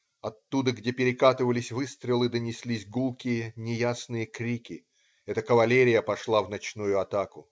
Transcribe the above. Оттуда, где перекатывались выстрелы, донеслись гулкие, неясные крики - это кавалерия пошла в ночную атаку.